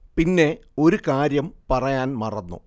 പിന്നെ ഒരു കാര്യം പറയാന്‍ മറന്നു